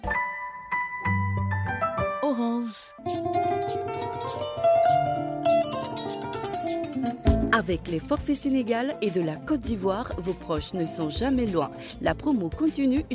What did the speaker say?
orange avec le forfait Senegal et de la Cote d'Ivoir, vos proches ne sont jamais loins, la preuve de